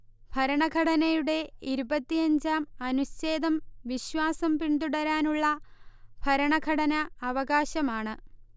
ഭരണഘടനയുടെ ഇരുപത്തിയഞ്ചാം അനുചേ്ഛദം വിശ്വാസം പിന്തുടരാനുള്ള ഭരണഘടനാ അവകാശമാണ്